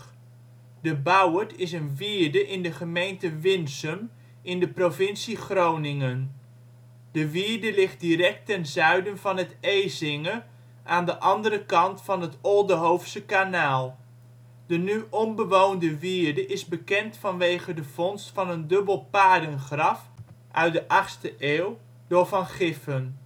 wierde in de gemeente Winsum in de provincie Groningen. De wierde ligt direct ten zuiden van het Ezinge aan de andere kant van het Oldehoofsche kanaal. De nu onbewoonde wierde is bekend vanwege de vondst van een dubbel paardengraf uit de achtste eeuw door van Giffen